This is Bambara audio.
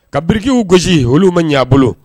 Ka birikiw gosi olu ma ɲɛ' bolo